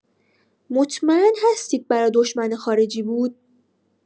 مطمئن هستید برا دشمن خارجی بود؟